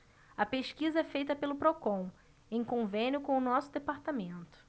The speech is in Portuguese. a pesquisa é feita pelo procon em convênio com o diese